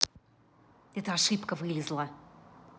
это ошибка вылезла